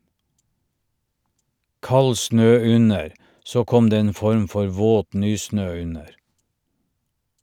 Kald snø under, så kom det en form for våt nysnø under.